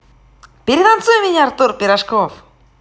перетанцуй меня артур пирожков